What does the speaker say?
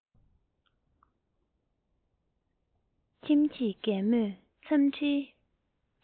ཁྱིམ གྱི རྒན མོས འཚམས འདྲིའི